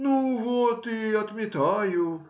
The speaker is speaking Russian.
— Ну вот: и отметаю!